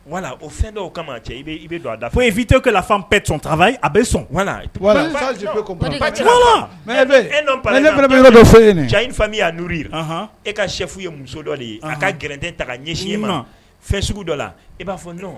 Wala o fɛn dɔw o kama cɛ bɛ don a da foyi'i te bɛ sɔn y'a e ka sefu ye muso ye a ka gɛlɛn ta ɲɛ ma sugu dɔ la e b'a fɔ